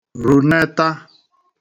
rùneta